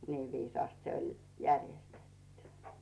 niin viisaasti se oli järjestetty